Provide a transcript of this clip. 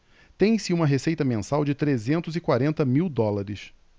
tem-se uma receita mensal de trezentos e quarenta mil dólares